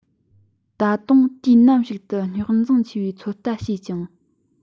ད དུང དུས ནམ ཞིག ཏུ རྙོག འཛིང ཆེ བའི ཚོད ལྟ བྱས ཀྱང